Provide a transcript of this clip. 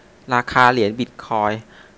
ราคาเหรียญบิทคอยน์